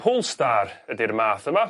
Polestar ydi'r math yma.